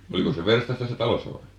oliko se verstas tässä talossa vai